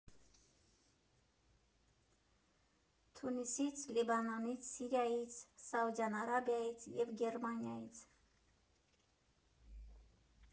Թունիսից, Լիբանանից, Սիրիայից, Սաուդյան Արաբիայից և Գերմանիայից։